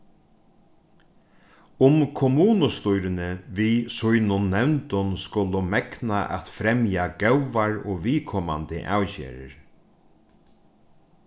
um kommunustýrini við sínum nevndum skulu megna at fremja góðar og viðkomandi avgerðir